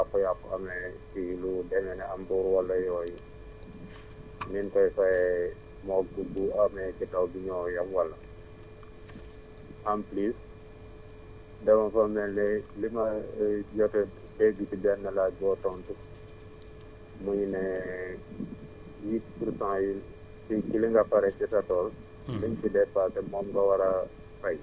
mais dañoo bëggoon a xam est que bu ay yàqu-yàqu amee ci lu demee ne am mbuur wala yooyu ni ñu koy fayee moom pour bu amee ci taw ñoo yam wala en plus dama foog ne de li ma jot a dégg ci bent laaj boo tontu muy ne huit pour cent yi ci ci li nga foree ci sa tool